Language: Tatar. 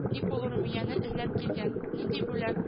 Ник ул румияне эзләп килгән, нинди бүләк